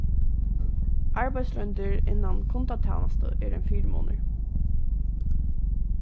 arbeiðsroyndir innan kundatænastu er ein fyrimunur